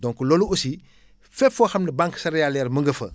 donc loolu aussi fépp foo xam ne banque céréaliaire mu nga fa